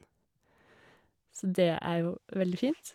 Så det er jo veldig fint.